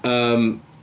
Yym...